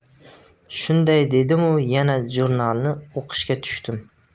shunday dedimu yana jurnalni o'qishga tushdim